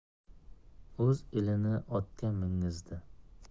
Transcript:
o'z elini otga mingizdi